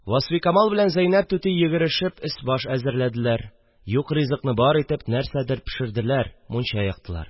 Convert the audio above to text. Васфикамал белән Зәйнәп түти йөгерешеп өс-баш әзерләделәр, юк ризыкны бар итеп нәрсәдер пешерделәр, мунча яктылар